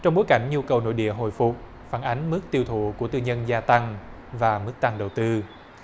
trong bối cảnh nhu cầu nội địa hồi phục phản ánh mức tiêu thụ của tư nhân gia tăng và mức tăng đầu tư